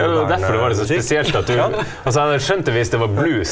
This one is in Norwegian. ja det var derfor det var litt sånn spesielt at du altså jeg hadde skjønt det hvis det var blues.